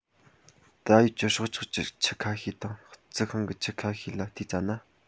ད ཡོད ཀྱི སྲོག ཆགས ཀྱི ཁྱུ ཁ ཤས དང རྩི ཤིང གི ཁྱུ ཁ ཤས ལ བལྟས ཙ ན